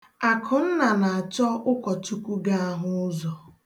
Akụnna na-achọ ụkọchukwu ga-ahụ ụzọ.